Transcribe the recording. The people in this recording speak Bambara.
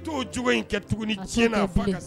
U' cogo in kɛ tuguni ni ti faga